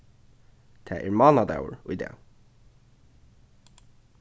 tað er mánadagur í dag